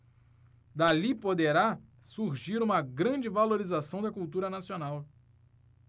dali poderá surgir uma grande valorização da cultura nacional